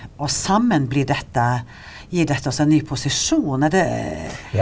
og sammen blir dette gir dette også en ny posisjon er det .